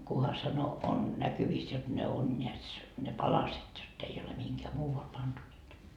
kunhan sanoi on näkyvissä jotta ne on näetkös ne palaset jotta ei ole mihinkään muualle pantu niitä